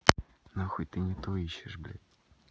нахуй ты не то ищешь блять